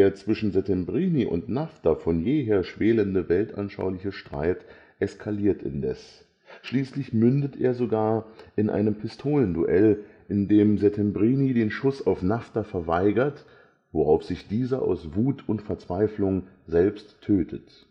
zwischen Settembrini und Naphta von jeher schwelende weltanschauliche Streit eskaliert indes. Schließlich mündet er gar in einem Pistolenduell, in dem Settembrini den Schuss auf Naphta verweigert, worauf sich dieser aus Wut und Verzweifelung selbst tötet